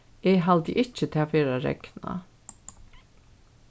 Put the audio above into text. eg haldi ikki tað fer at regna